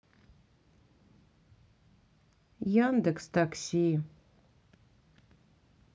яндекс такси